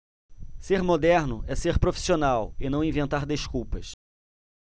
ser moderno é ser profissional e não inventar desculpas